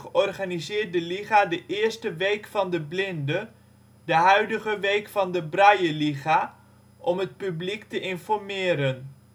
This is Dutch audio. organiseert de Liga de eerste " Week van de blinde ", de huidige " Week van de Brailleliga " om het publiek te informeren